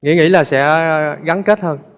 nghĩ nghĩ là sẽ gắn kết hơn